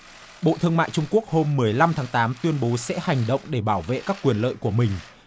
bộ thương mại trung quốc hôm mười lăm tháng tám tuyên bố sẽ hành động để bảo vệ các quyền lợi của mình